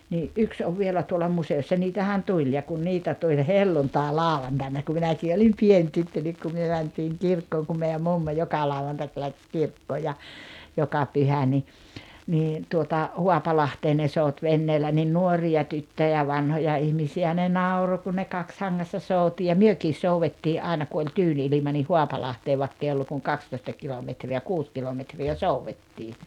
niin yksi on vielä tuolla museossa niitähän tuli ja kun niitä tuli helluntailauantaina kun minäkin olin pieni tyttö niin kun me mentiin kirkkoon kun meidän mummo joka lauantai lähti kirkkoon ja joka pyhä niin niin tuota Haapalahteen ne souti veneellä niin nuoria tyttöjä vanhoja ihmisiä ne nauroi kun ne kaksihangassa souti ja mekin soudettiin aina kun oli tyyni ilma niin Haapalahteen vaikka ei ollut kuin kaksitoista kilometriä kuusi kilometriä soudettiin